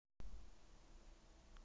джой ты че такая тупая